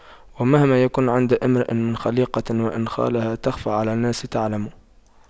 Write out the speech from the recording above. ومهما يكن عند امرئ من خَليقَةٍ وإن خالها تَخْفَى على الناس تُعْلَمِ